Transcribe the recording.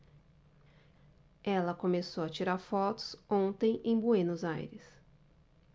ela começou a tirar fotos ontem em buenos aires